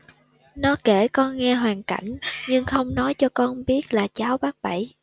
nó kể con nghe hoàn cảnh nhưng không nói cho con biết là cháu bác bảy